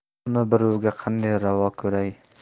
uni birovga qanday ravo ko'ray